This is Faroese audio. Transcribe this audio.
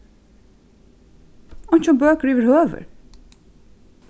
einki um bøkur yvirhøvur